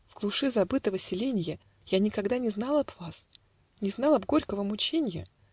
В глуши забытого селенья Я никогда не знала б вас, Не знала б горького мученья.